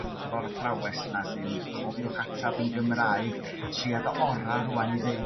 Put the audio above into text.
athro'r athrawes 'na sy'n cofiwch ateb yn Gymraeg tria dy orau rŵan i ddeud